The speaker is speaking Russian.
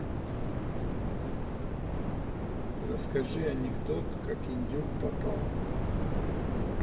расскажи анекдот как индюк попал